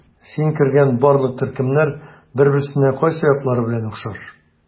Син кергән барлык төркемнәр бер-берсенә кайсы яклары белән охшаш?